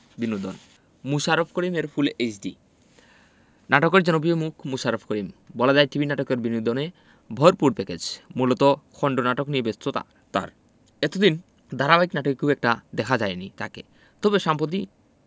বিনোদন মোশাররফ করিমের full HD নাটকের জনপিয় মুখ মোশাররফ করিম বলা যায় টিভি নাটকে বিনোদনে ভরপুর প্যাকেজ মূলত খণ্ডনাটক নিয়ে ব্যস্ততা তার এতদিন ধারাবাহিক নাটকে খুব একটা দেখা যায়নি তাকে তবে সাম্পতি